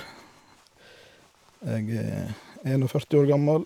Jeg er en og førti år gammel.